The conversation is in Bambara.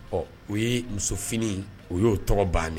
Ɔ u ye musof u y'o tɔgɔ ban ye